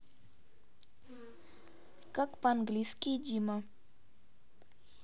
как по английски дима